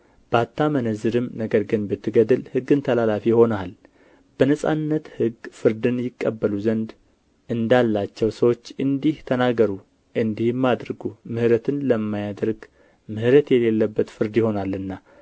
ባታመነዝርም ነገር ግን ብትገድል ሕግን ተላላፊ ሆነሃል በነጻነት ሕግ ፍርድን ይቀበሉ ዘንድ እንዳላቸው ሰዎች እንዲህ ተናገሩ እንዲህም አድርጉ ምሕረትን ለማያደርግ ምሕረት የሌለበት ፍርድ ይሆናልና